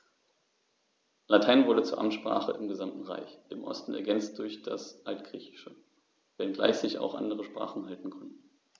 Latein wurde zur Amtssprache im gesamten Reich (im Osten ergänzt durch das Altgriechische), wenngleich sich auch andere Sprachen halten konnten.